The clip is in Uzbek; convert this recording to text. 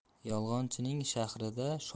yolg'onchining shahrida shoh bo'lguncha